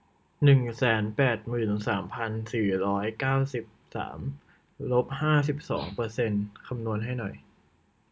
หนึ่งแสนแปดหมื่นสามพันสี่ร้อยเก้าสิบสามลบห้าสิบสองเปอร์เซนต์คำนวณให้หน่อย